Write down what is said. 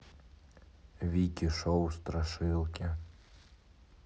вики шоу страшилки